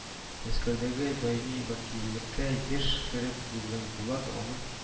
Мәскәүдәге даими вәкиллеккә еш кереп йөргән Булат аның